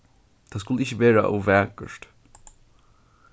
tað skuldi ikki vera ov vakurt